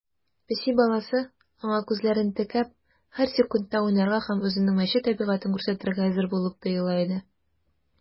Песи баласы, аңа күзләрен текәп, һәр секундта уйнарга һәм үзенең мәче табигатен күрсәтергә әзер булып тоела иде.